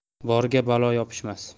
borga balo yopishmas